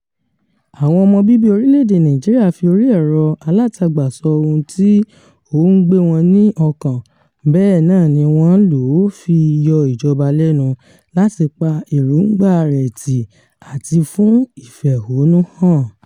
Àwọn ọmọ bíbí orílẹ̀-èdè Nàìjíríà fi orí ẹ̀rọ-alátagbà sọ ohun tí ó ń gbé wọn ní ọkàn, bẹ́ẹ̀ náà ni wọ́n lò ó fi yọ ìjọba lẹ́nu láti pa èròńgbàa rẹ̀ tì àti fún ìfẹ̀hónúhàn: